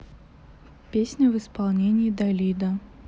песня в исполнении далида